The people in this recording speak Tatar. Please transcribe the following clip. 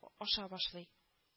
А аша башлый